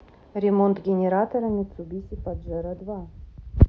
ремонт генератора митсубиси паджеро два